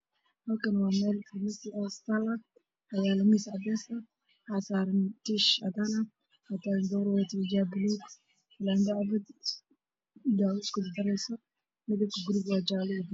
Meshaan waa meel banan ah waxaa yaalo miis waxaa saaran tiish cadaan ah waxaa ag taagan gabar